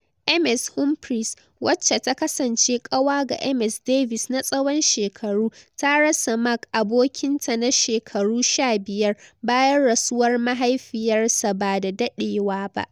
Ms Humphreys, wacce ta kasance kawa ga Ms Davies na tsawon shekaru, ta rasa Mark, abokin ta na shekaru 15, bayan rasuwar mahaifiyarsa ba da daɗewa ba.